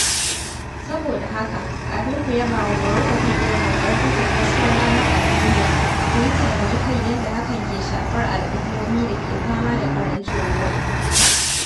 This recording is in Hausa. Saboda haka, kafin ku yabawa Morocco kan gina babbar tashar hasken rana a duniya, ku yi tunani kan yadda hakan ke shafar al’ummomin da ke fama da ƙarancin ruwa.